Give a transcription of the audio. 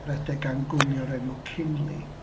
Redeg gan gwmni o'r enw Kindly.